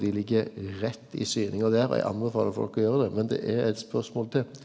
dei ligg rett i syninga der og eg anbefaler folk å gjere det men det er eit spørsmål til.